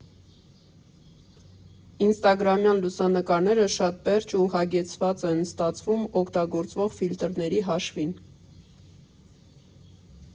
Ինստագրամյան լուսանկարները շատ պերճ ու հագեցած են ստացվում օգտագործվող ֆիլտրների հաշվին։